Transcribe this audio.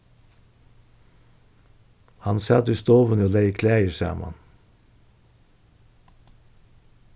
hann sat í stovuni og legði klæðir saman